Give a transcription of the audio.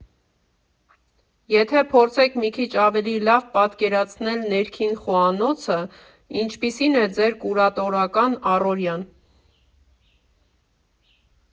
Եթե փորձենք մի քիչ ավելի լավ պատկերացնել ներքին խոհանոցը, ինչպիսի՞ն է ձեր կուրատորական առօրյան։